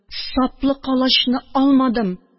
Саплы калачны алмадым